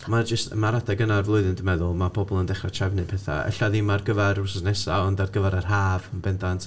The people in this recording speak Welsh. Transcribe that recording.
Mae o jyst... mae'r adeg yna o'r flwyddyn dwi'n meddwl, ma' pobl yn dechra trefnu pethau, ella ddim ar gyfer wythnos nesaf, ond ar gyfer yr haf yn bendant.